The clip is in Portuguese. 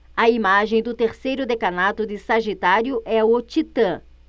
a imagem do terceiro decanato de sagitário é o titã